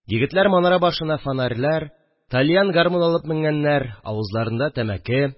Егетләр манара башына фонарьлар, тальян гармун алып менгәннәр, авызларында тәмәке